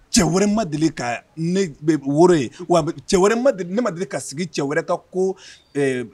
Cɛ wɛrɛ ma deli ka ne woro ye. Wa cɛ ma ,ne ma deli ka sigi cɛ wɛrɛ ka ko